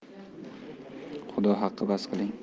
xudo haqqi bas qiling